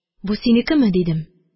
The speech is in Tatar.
– бу синекеме? – дидем.